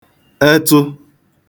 etụ